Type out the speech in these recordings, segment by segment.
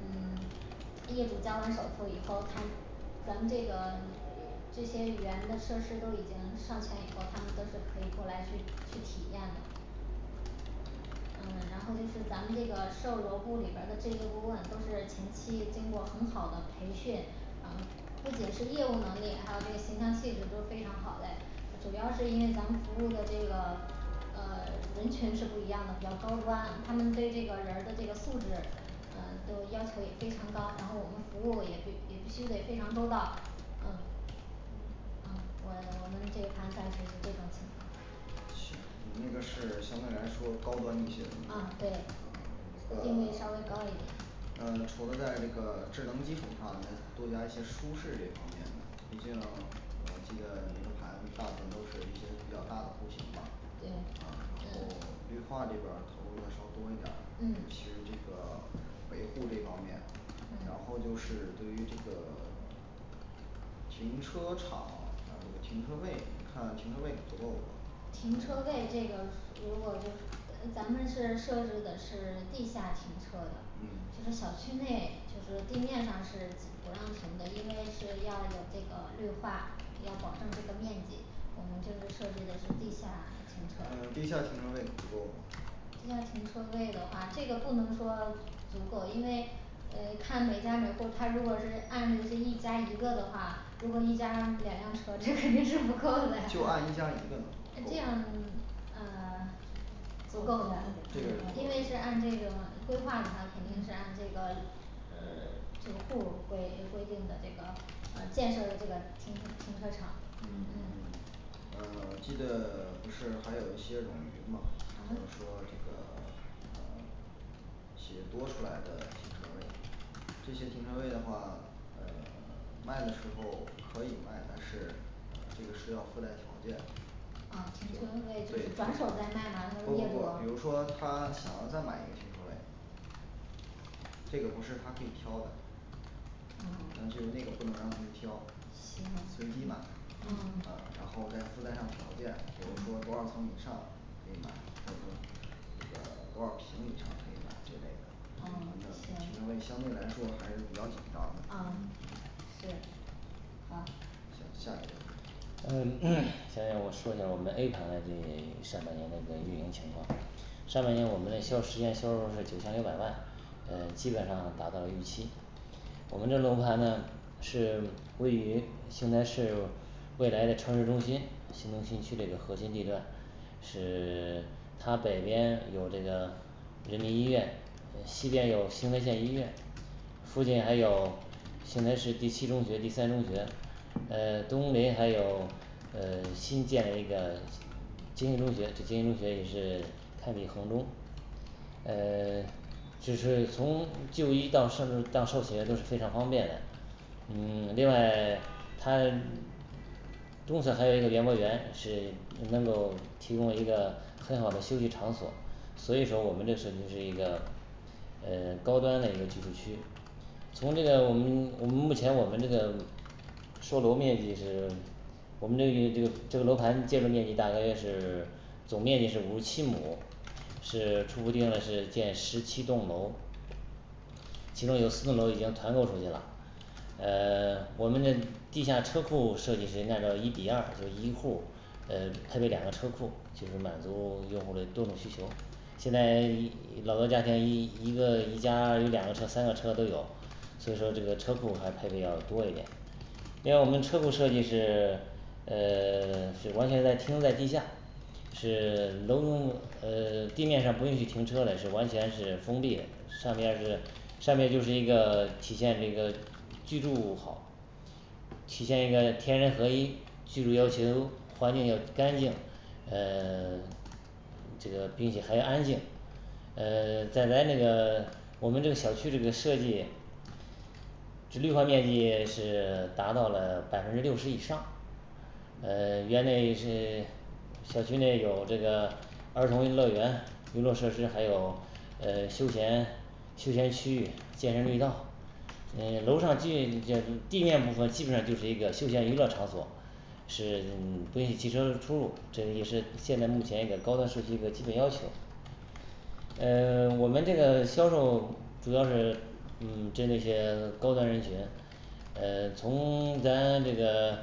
嗯 业主交完首付以后他咱们这个呃这些园的设施都已经上全以后，他们都是可以过来去去体验的嗯然后就是咱们这个售楼部里边儿的置业顾问都是前期经过很好的培训然后不仅是业务能力还有这形象气质都非常好嘞呃主要是因为咱们服务的这个呃 人群是不一样的，比较高端，他们对这个人儿的素质呃都要求也非常高，然后我们服务也必也必须得非常周到嗯嗯呃我我们这一盘暂时是这种情况行，你那个是相对来说高端一些呃对定呃位稍微高一点呃除了在这个智能基础上人多加一些舒适这方面的毕竟我记得你楼盘大部分都是一些比较大的户型嘛呃对都绿化这边投入要稍多一点儿嗯其实这个维护这方面然嗯后就是对于这个停车场还有那个停车位你看停车位足够吗停车位这个是 如果就是咱咱们是设置的是地下停车的，嗯就是小区内就是地面上是呃不让停的，因为是要有这个绿化要保证这个面积，我们就是设计的是地下停呃车地下停车位足够吗地下停车位的话这个不能说足够，因为呃看每家每户儿他如果是按这些一家一个的话如果一家两辆车这肯定是不够的 就按一家一个的呃够这样吗呃 足够的嗯这因为样嗯是按这种规划的话，肯定是按这个呃 这个户儿规呃规定的这个呃建设的这个停停车场嗯嗯呃 我记得不是还有一些冗余嘛，比如说啊这个呃 企业多出来的停车位这些停车位的话呃 卖的时候可以卖但是呃这个是要附带条件的呃停车位就是转手再卖吗可如以如果果比业如主他想要再买一个停车位这个不是他可以挑的嗯还就是那个不能让他们挑行随机买呃嗯然后再附带上条件，比如说嗯多少层以上可以买或者说这个多少平米以上可以买这类的因为我嗯们的停车行位相对来说还是比较紧张的哦是好行下一个楼盘继续呃嗯下面我说一下儿我们A盘的那 上半年那个运营情况上半年我们的销售实现销售是九千六百万呃基本上达到预期我们这楼盘呢是位于邢台市未来的城市中心邢东新区这个核心地段是 它北边有这个人民医院，西边有邢台县医院附近还有邢台市第七中学第三中学呃东临还有呃 新建那个精英中学精英中学也是堪比衡中呃 只是从就医到上学到上学都是非常方便的嗯 另外它东侧还有一个园博园是能够提供一个很好的休息场所所以说我们这设计是一个呃高端嘞一个居住区从这个我们我们目前我们这个售楼面积是我们这这个这个楼盘建筑面积大概是总面积是五十七亩，是初步定的是建十七栋楼其中有四栋楼已经团购出去啦呃我们的地下车库设计是按照一比二就一户儿呃配备两个车库，就是满足用户儿的多种需求现在老多家庭一一个一家有两个车三个车都有所以说这个车库还配要多一点儿另外我们车库设计是呃 是完全在停留在地下是 楼呃 地面上不允许停车嘞是完全是封闭嘞上面儿是上面就是一个体现这个居住好体现一个天人合一，居住要求环境要干净，呃 这个并且还安静呃 在咱这个我们这个小区这个设计这绿化面积是达到了百分之六十以上。呃 园内是小区内有这个儿童乐园、娱乐设施，还有呃 休闲休闲区域建设绿道呃楼上就这地面部分基本上就是一个休闲娱乐场所是不允许汽车出入，这也是现在目前一个高端社区一个基本要求呃 我们这个销售主要是嗯针对一些高端人群呃从咱这个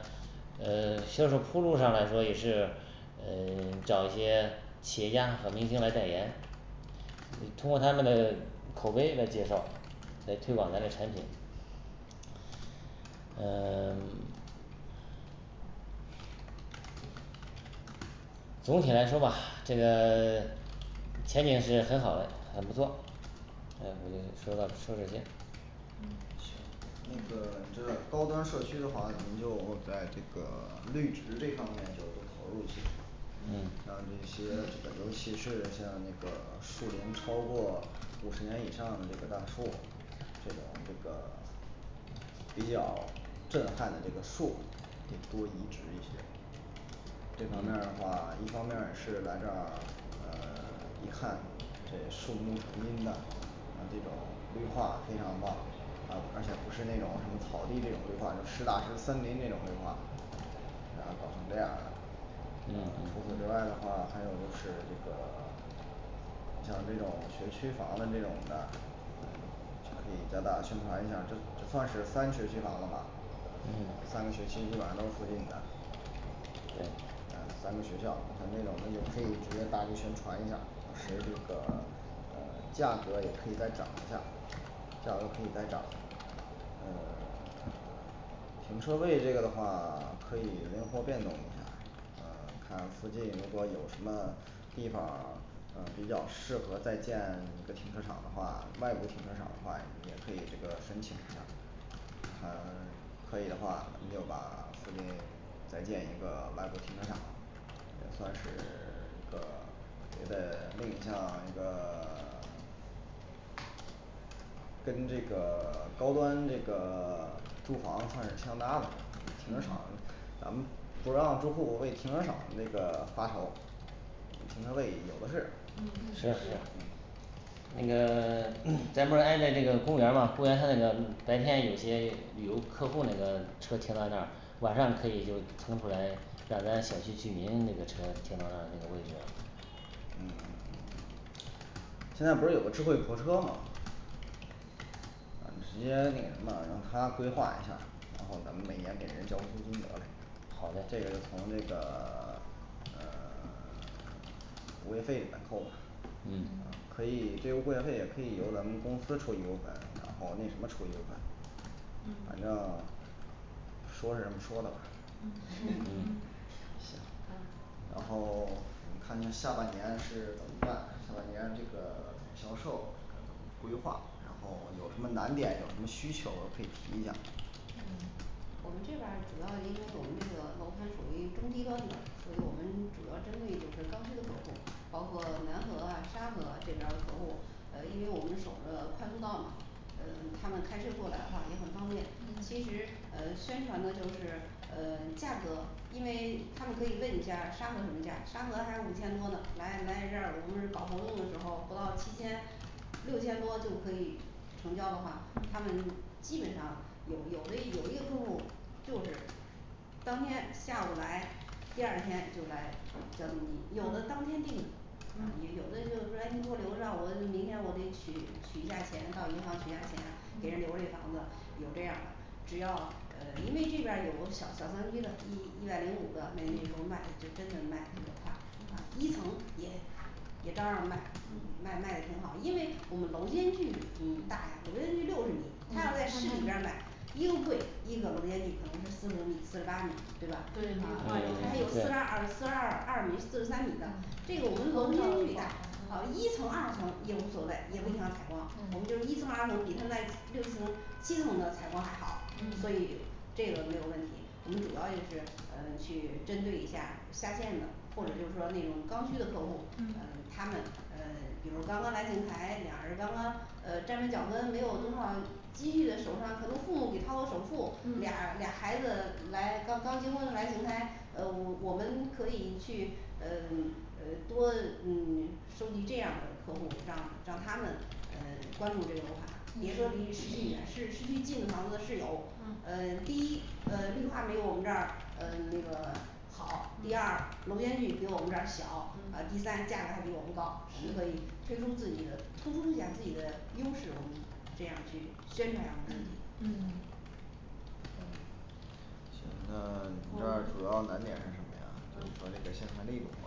呃销售铺路上来说，也是呃找一些企业家和明星来代言通过他们的口碑来介绍，来推广咱的产品呃 嗯总体来说吧这个前景是很好的很不错呃我就说到说这些嗯行那嗯个你知道高端社区的话，你就在这个 绿植这方面就多投入一些，然后这些尤其是像那个树龄超过五十年以上的这个大树这种这个比较震撼的这个树就多移植一些这方面儿的话一方面儿是来这儿呃 一看这树木成荫面这种绿化非常棒呃而且不是那种什么草地这种规划是大型森林那种规划基本上都是这样的嗯除此之嗯外的话，还有就是那个像这种学区房的那种的可以加大宣传一下儿，这这算是三学区房了吧嗯三个学区一晚上都要复读一遍对呃咱们学校咱们也可以直接大力宣传一下儿还有那嗯个呃价格也可以再涨一下价格可以再涨呃 停车位这个的话可以灵活变动一下儿呃看看附近如果有什么地方儿呃比较适合再建一个停车场的话外部停车场话也可以这个申请一下儿反正可以的话你就把附近再建一个外部停车场也算是一个别的另一项这个 跟这个高端这个住房还是相搭的，停车嗯场咱们不让住户为停车场那个发愁停车场位也不合适嗯是嗯是是那个 呃咱不是挨着公园嘛公园它那个白天有些旅游客户那个车停到那儿晚上可以就是腾出来，让咱小区居民那个车停到那儿那个位置现在不是有个智慧泊车嘛呃直接那什么，然后他规划一下儿，然后咱们每年给人交租金得了好嘞这个从那个 呃 物业费里边扣吧嗯嗯可以就是物业费也可以由咱们公司出一部分然后那什么出一部分反嗯正说是这么说的嗯 嗯嗯然然后后看看下半年是怎么办，下半年这个销售规划，然后有什么难点，有什么需求可以提一下儿嗯我们这边主要因为我们这个楼盘属于中低端的所以我们主要针对就是刚需的客户儿，包括南河啊沙河啊这边儿的客户，因为我们守着快速道嘛呃他们开车过来的话也很方便，嗯其实呃宣传的就是呃价格因为他们可以问一下儿沙河什么价儿，沙河还是五千多呢来来这儿我们搞活动的时候不到七千六千多就可以成交的话，他嗯们基本上有有的有一个客户儿就是当天下午来，第二天就来证明有的嗯当天定的嗯有的就是说诶你给我留着，我明天我得取取一下儿钱，到银行取一下儿钱给人留了一嗯房子有这样的只要呃因为这边儿有小小三居的一一百零五的那头卖嗯就真的卖的特别嗯快，啊一层也也照样卖嗯卖卖的挺好，因为我们楼间距嗯大呀楼间距六十米他要在市里边买一个贵一个楼间距可能是四十五米四十八米对吧对还有四十二二四十二二米四十三米的这最个我宽们楼光间照比距较大好噢一层二层也无所谓也不影响采光我们嗯就一层二层比他们在六七层七层的采光还好，嗯所以这个没有问题，我们主要就是呃去针对一下下县的或者就是说那种刚需的客户，呃嗯他们呃比如刚刚来邢台，俩人儿刚刚呃站稳脚跟没有多嗯少积蓄的，手上可能父母给掏个首付，嗯俩俩孩子来刚刚结婚来邢台我我们可以去呃呃多嗯收集这样的客户让让他们呃 嗯关注这个楼盘，别说离市区远，市市区近的房子是有，嗯呃第一呃绿化没有我们这儿呃那个好第二嗯楼间距比我们这儿小，呃嗯第三价格还比我们高，是可以推出自己的突出一下自己的优势我们这样去宣传我们嗯自己嗯可以行那我这儿们主要的难点是什么？嗯主要是宣传力这一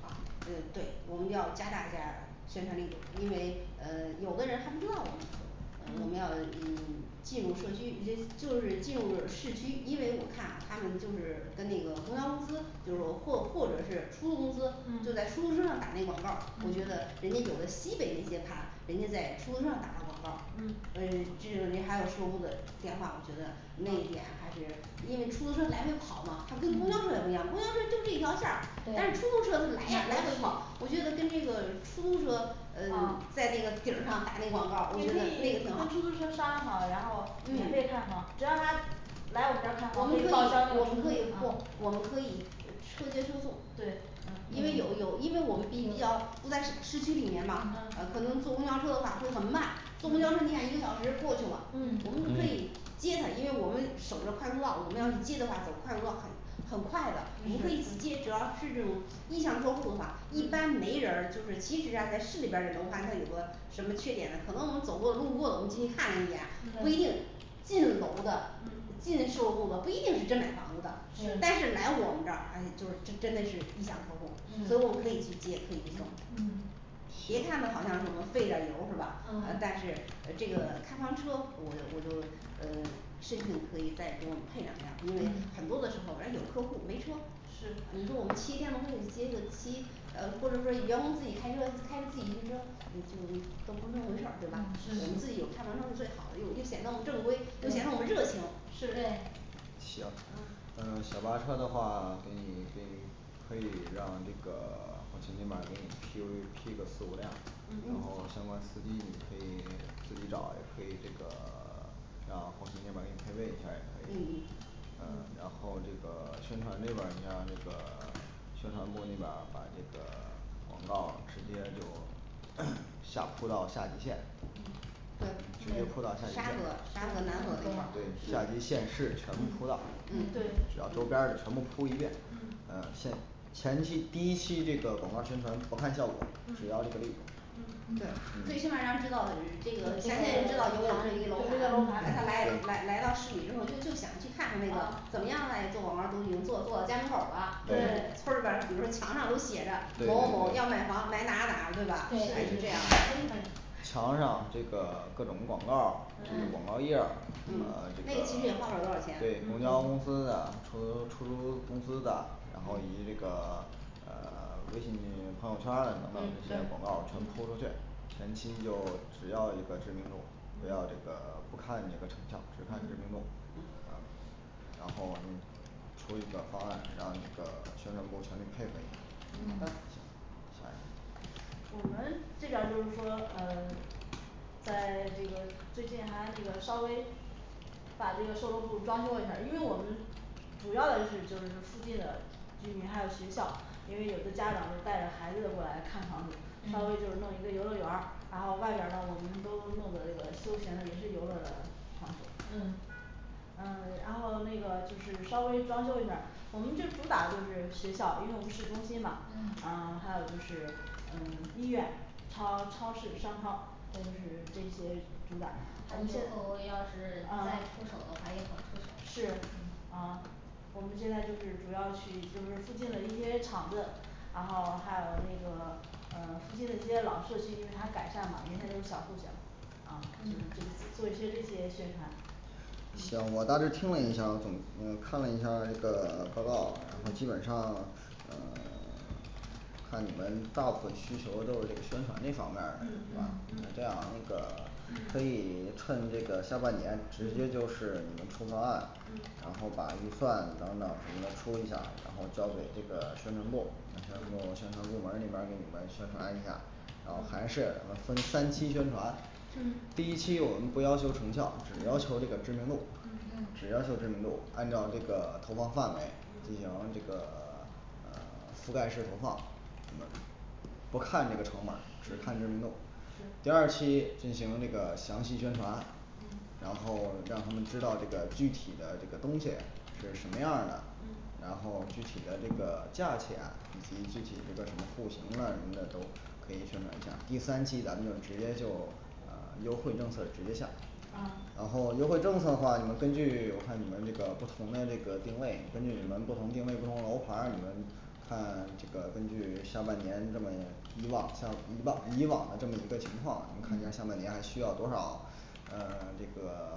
块儿呃对，我们要加大一下儿宣传力度，因为呃有的人还不知道我们我们要嗯嗯进入社区，直接就是进入市区，因为我看他们就是跟那个公交公司就是嗯或或者是出租公司嗯就在出租车上打那广告儿，我觉得嗯人家有了西北那些盘人家在出租车上打上广告儿嗯所以只有那他售楼部的电话我觉得那一点还是因为出租车来回跑嘛，他跟公嗯交车也不一样，公交车就这一条线儿但是出对租车哪儿都来回跑会去，我觉得跟那个出租车呃在那个顶儿上打那广告儿，我觉也得这个挺好嗯可以跟出租车商量好，然后免费看房，只要他来我们我这看房可以报销那个出们租可车以费我们可以不对我们可以饿车接车送呃因为有有因为我们毕竟这不在市区里面嘛，呃可能坐公交车的话会很慢坐公交车你看一个小时过去了嗯，我们可嗯以接他，因为我们守着快通道，我们要去接的话走快通道很快的你嗯可以直嗯接只要是这种意向客户的话，一嗯般没人儿就是其实呀在市里边儿的楼盘它有个什么缺点呢，可能我们走过路过我们进去看了一眼不对一定进楼的嗯进售楼部的不一定是真买房子的对但是来我们这诶就是真真的是意向客户儿，嗯所以我们可以去接可以送嗯其它的好像什么费点儿油是吧？ 呃嗯但是呃这个看房车我就我就呃申请可以再给我们配两辆因为嗯很多的时候人有客户儿没车是你说我们骑电动车也接是 接呃或者说员工自己开车开着自己汽车就都不是那么回事对吧？我们嗯是自己有看房车是最好的，又又显得我们正规就行了又显得对我们热情是对行嗯呃小巴车的话给你给你可以让这个 后勤那边儿给你批批个四五辆，然后相嗯嗯关司机也可以自己找也可以这个 让后勤那边儿给你分配一下儿也可嗯嗯以这个然嗯后这个宣传这边儿一定要这个宣传部那边儿把这个广告直接就 下铺到下级县嗯对直接对铺到下沙河沙河南和这一块儿级是县市全部铺嗯到嗯对只要嗯周边的全部铺一遍嗯呃县前期第一期这个广告宣传不看效果只嗯要知名度嗯对最起码让人知道你这赶紧知道个咱你这这个个楼楼盘盘来来来到市里以后就想去看看这个怎么样来做广告，都已经做做到家门口儿了对或儿者儿把整个墙上都写对对着对某某对要买房买哪哪对吧是对这样墙上这个各种广告儿各种广嗯嗯告儿页儿呃嗯嗯这那个个其实也花不了多少这钱个对公交公司的出租出租公司的然后以及这个呃 微信朋友圈嗯的这些对广告儿就是嗯做个噱头前期就只要一个知名度不要这个不看这个成效只看嗯知名度啊嗯然后你出一个方案让那个宣传部全力配合你们好的嗯好的我们这边就是说呃 在这个最近还那个稍微把这个售楼部装修一下儿，因为我们主要的是就是附近的居民还有学校，因为有的家长就带着孩子过来看房子稍微就嗯是弄一个游乐园儿，然后外边儿的我们都弄的这个休闲的也是游乐的场所呃呃然后那个就是稍微装修一下儿，我们就主打就是学校，因为我们市中心嘛嗯呃还有就是呃医院超超市商超这对这些主打还有如果要是再啊出手的话也好出手是噢我们现在就是主要去就是附近的一些厂子，然后还有那个呃附近的一些老社区，因为它改善嘛原先都是小户儿型啊就是嗯这儿做一些这些宣传嗯行，我当时听了一下总嗯看了一下儿这个报告嗯基本上呃 看你们大部分需求都是这宣传这方面儿是嗯吧嗯那嗯这样那个嗯可以趁这个下半年直嗯接就是能出方案嗯，然后把预算等等然后出一下儿，然后交给这个宣传部儿嗯然后宣传部门儿那边儿给你们宣传一下，然后嗯还是嗯分三期宣传嗯第一期我们不要求成效，只要求嗯这个嗯知名度，只嗯要求知名度，按照这个投放范围进行这个呃覆盖式投放我们不看这个成本儿只嗯看知名度是第二期进行这个详细宣传，嗯然后让他们知道这个具体的这个东西是什么样儿的，嗯然后具体的这个价钱以及具体的这个什么户型啊什么的都可以宣传一下儿，第三期咱们就直接就呃优惠政策直接下啊然后优惠政策的话，你们根据我看你们这个不同的这个定位，根据你们不同定位中楼盘儿，你们看这个根据上半年这么以往的以往以往的这么一个情况，看看你们嗯上半年还需要多少呃这个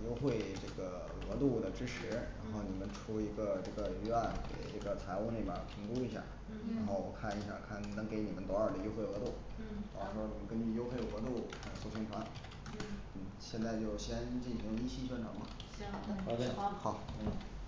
优惠这个额度来支持然后你嗯们出一个这个预案给这个财务那边儿评估一下，然嗯后我嗯看一下儿看能给你们多少的优惠额度，到时候儿你嗯行根据优惠额度来做宣传嗯嗯现在就先进行一期宣传吧好嗯行嗯好嘞好好嗯